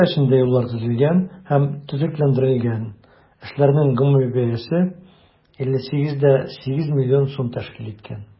Бистә эчендә юллар төзелгән һәм төзекләндерелгән, эшләрнең гомуми бәясе 58,8 миллион сум тәшкил иткән.